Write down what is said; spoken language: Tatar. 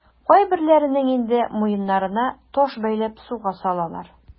Кайберләренең инде муеннарына таш бәйләп суга салалар.